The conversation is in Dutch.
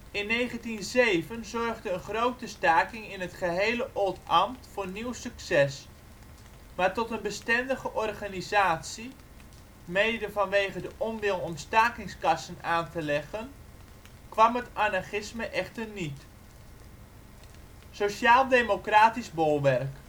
In 1907 zorgde een grote staking in het gehele Oldambt voor nieuw succes. Maar tot een bestendige organisatie, mede vanwege de onwil om stakingskassen aan te leggen, kwam het anarchisme echter niet. Sociaaldemocratisch bolwerk